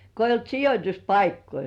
kun ei ollut sijoituspaikkoja